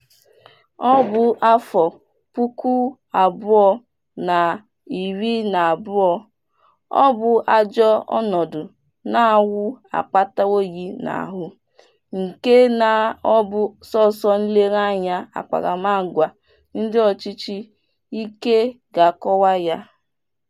Ọ bụ afọ 2012, ọ bụ ajọ ọnọdụ na-awụ akpata oyi n'ahụ nke na ọ bụ sọọsọ nlereanya akparamagwa ndị ọchịchị ike ga-akọwa ya.